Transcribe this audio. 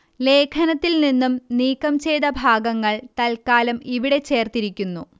ലേഖനത്തിൽ നിന്നും നീക്കം ചെയ്ത ഭാഗങ്ങള് തല്ക്കാലം ഇവിടെ ചേര്ത്തിരിക്കുന്നു